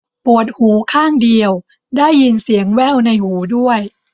ปวดหูข้างเดียวได้ยินเสียงแว่วในหูด้วย